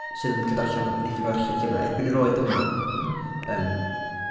sydd yn licio darllen no- wnaethon nhw ddarllen llyfr, erbyn yr oed yma, yym.